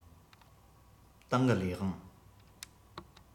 ཏང གི ལས དབང